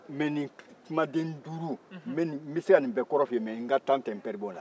mɛ nin kumaden duuru n bɛ se ka nin bɛɛ kɔrɔ f'i ye mɛ n ka tan tɛ n perim'o la